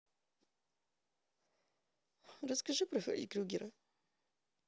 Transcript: расскажи про фредди крюгера